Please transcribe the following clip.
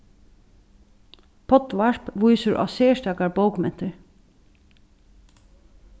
poddvarp vísir á serstakar bókmentir